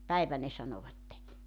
päivä ne sanoivat